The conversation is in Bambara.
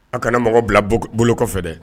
A kana mɔgɔ bila bolo kɔfɛ dɛ.